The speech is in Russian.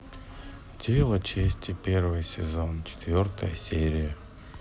дело чести первый сезон четвертая серия